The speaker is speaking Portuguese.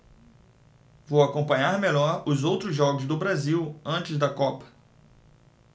vou acompanhar melhor os outros jogos do brasil antes da copa